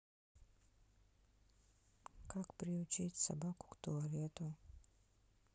как приучить собаку к туалету